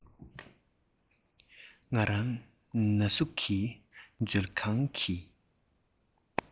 ང རང ན ཟུག གིས མཛོད ཁང གི